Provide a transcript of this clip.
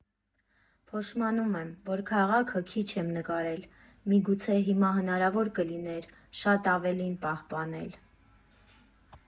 Փոշմանում եմ, որ քաղաքը քիչ եմ նկարել, միգուցե հիմա հնարավոր կլիներ շատ ավելին պահպանել։